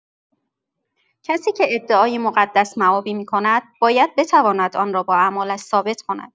کسی که ادعای مقدس‌مآبی می‌کند، باید بتواند آن را با اعمالش ثابت کند.